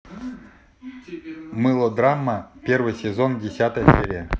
мылодрама первый сезон десятая серия